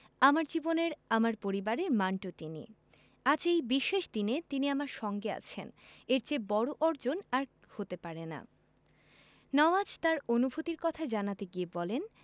আমার জীবনের আমার পরিবারের মান্টো তিনি আজ এই বিশেষ দিনে তিনি আমার সঙ্গে আছেন এর চেয়ে বড় অর্জন আর হতে পারে না নওয়াজ তার অনুভূতির কথা জানাতে গিয়ে বলেন